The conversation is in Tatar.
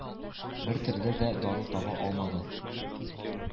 Бертөрле дә дару таба алмады.